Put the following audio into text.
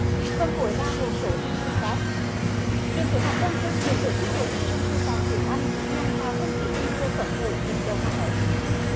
phần cuối là một số thông tin khác trường tiểu học quang trung vừa tổ chức hội thi rung chuông vàng tiếng anh nhằm tạo không khí thi đua phấn khởi dịp đầu năm mới